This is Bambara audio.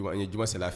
An ye juma sen fɛ